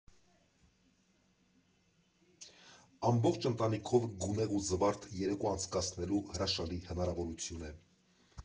Ամբողջ ընտանիքով գունեղ ու զվարթ երեկո անցկացնելու հրաշալի հնարավորություն է։